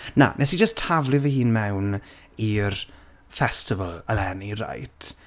Na, wnes i jyst taflu fy hun mewn i'r festival, eleni, reit.